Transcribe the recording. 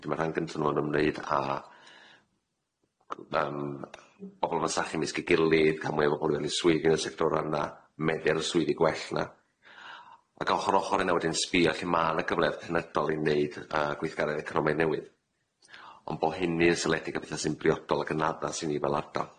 Wedyn ma' rhan gynta nw yn ymwneud a yym bobol yn fasnachu ymysg'i gilydd ca'l mwy o bobol yn y sectorara 'na methu ar y swyddi gwell na ag ar yr ochr yna wedyn sbio lle ma' 'na gyfle penodol i neud yy gweithgaredd economaidd newydd ond bo' hynny yn seiliedig a petha sy'n briodol ag yn addas i ni fel ardal.